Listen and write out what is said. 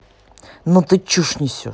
ну ты чушь несешь